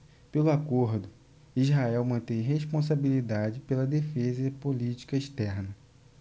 pelo acordo israel mantém responsabilidade pela defesa e política externa